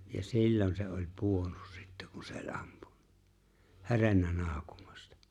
ja silloin se oli pudonnut sitten kun se oli ampunut herennyt naukumasta